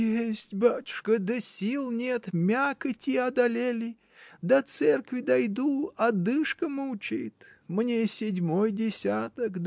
— Есть, батюшка, да сил нет: мякоти одолели, до церкви дойду — одышка мучает. Мне седьмой десяток!